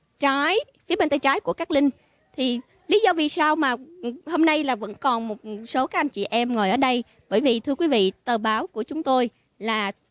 trái phía bên tay trái của cát linh thì lý do vì sao mà hôm nay là vẫn còn một số các anh chị em ngồi ở đây bởi vì thưa quý vị tờ báo của chúng tôi là